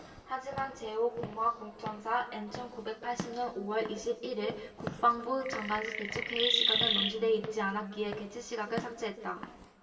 하지만 제 오 공화국전사 엔 천 구백 팔십 년 오 월 이십 일 일 국방부 장관실 대책회의 시각은 명시돼 있지 않았기에 개최 시각을 삭제했다